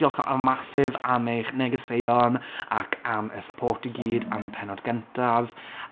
Diolch massive am eich negeseuon, ac am y support i gyd am y pennod gyntaf.